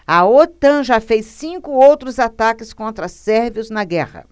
a otan já fez cinco outros ataques contra sérvios na guerra